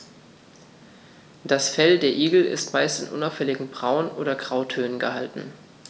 Das Fell der Igel ist meist in unauffälligen Braun- oder Grautönen gehalten.